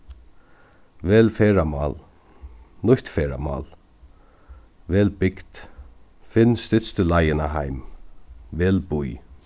vel ferðamál nýtt ferðamál vel bygd finn stytstu leiðina heim vel bý